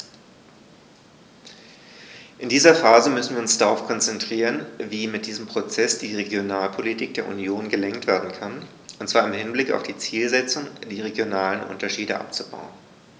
In dieser Phase müssen wir uns darauf konzentrieren, wie mit diesem Prozess die Regionalpolitik der Union gelenkt werden kann, und zwar im Hinblick auf die Zielsetzung, die regionalen Unterschiede abzubauen.